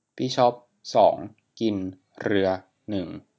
บิชอปสองกินเรือหนึ่ง